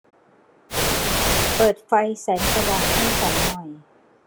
เปิดไฟแสงสว่างให้ฉันหน่อย